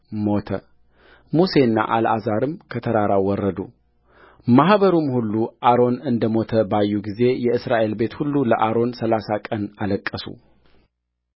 ሞተ ሙሴና አልዓዛርም ከተራራው ወረዱማኅበሩም ሁሉ አሮን እንደ ሞተ ባዩ ጊዜ የእስራኤል ቤት ሁሉ ለአሮን ሠላሳ ቀን አለቀሱ